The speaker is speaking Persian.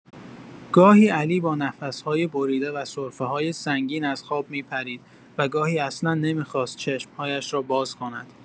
گاهی علی با نفس‌های بریده و سرفه‌های سنگین از خواب می‌پرید و گاهی اصلا نمی‌خواست چشم‌هایش را باز کند.